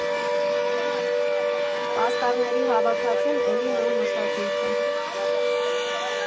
Պաստառների հավաքածուն էլի նոր մշակույթ է։